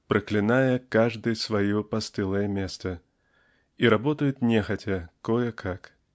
проклиная каждый свое постылое место и работают нехотя кое-как.